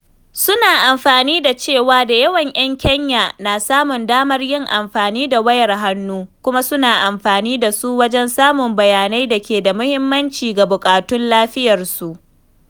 Suna amfani da cewa da yawan ‘yan Kenya na samun damar yin amfani da wayar hannu, kuma suna amfani da su wajen samun bayanai da ke da muhimmanci ga buƙatun lafiyarsu.